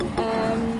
Yym.